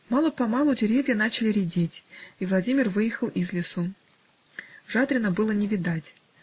Мало-помалу деревья начали редеть, и Владимир выехал из лесу Жадрина было не видать.